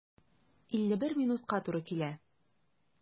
51 минутка туры килә.